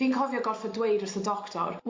Fi'n cofio gorffod dweud wrth y doctor